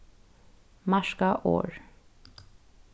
marka orð